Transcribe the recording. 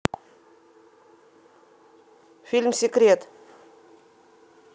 фильм секрет